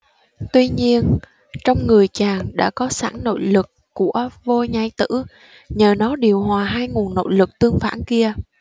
tuy nhiên trong người chàng đã có sẵn nội lực của vô nhai tử nhờ nó điều hòa hai nguồn nội lực tương phản kia